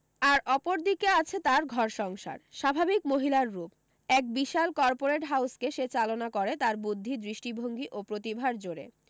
আর অপর দিকে আছে তার ঘরসংসার স্বাভাবিক মহিলার রূপ এক বিশাল কর্পোরেট হাউজকে সে চালনা করে তার বুদ্ধি দৃষ্টিভঙ্গি ও প্রতিভার জোরে